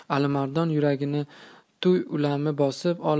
alimardon yuragini tomdirgan tuyg'u alamni bosib olib